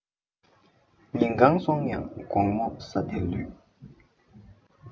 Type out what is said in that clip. ཉིན གང སོང ཡང དགོང མོ ས དེར ལུས